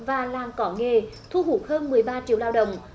và làng có nghề thu hút hơn mười ba triệu lao động